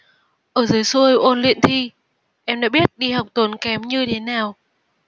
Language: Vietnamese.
ở dưới xuôi ôn luyện thi em đã biết đi học tốn kém như thế nào